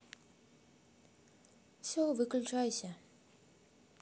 все выключайся